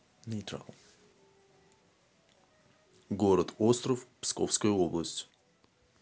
город остров псковская область